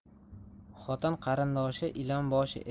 xotin qarindoshi ilon boshi